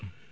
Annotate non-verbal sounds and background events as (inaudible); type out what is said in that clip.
(hesitation) (hesitation)